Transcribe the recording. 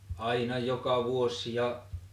aina joka vuosi ja